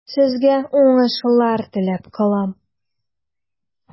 Сезгә уңышлар теләп калам.